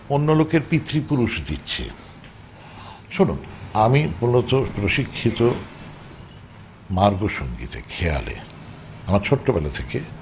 অন্য লোকের পিতৃপুরুষ দিচ্ছে শুনুন আমি মূলত প্রশিক্ষিত মার্গসংগীতে খেয়ালে আমার ছোট্ট বেলা থেকে